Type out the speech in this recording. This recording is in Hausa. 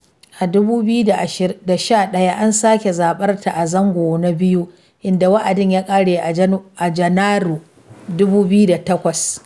A 2011 an sake zaɓar ta a zango na biyu, inda wa'adin ya ƙare a Junairun 2008.